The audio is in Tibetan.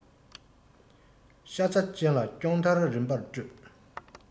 ཤ ཚ ཅན ལ སྐྱོང མཐར རིམ པར སྤྲོད